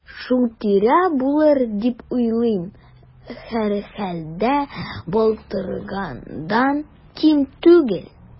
Шул тирә булыр дип уйлыйм, һәрхәлдә, былтыргыдан ким түгел.